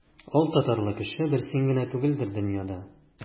Алтатарлы кеше бер син генә түгелдер дөньяда.